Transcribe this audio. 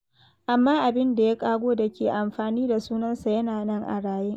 Amma abin da ya ƙago da ke amfani da sunansa yana nan a raye.